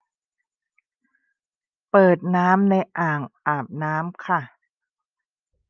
เปิดน้ำในอ่างอาบน้ำค่ะ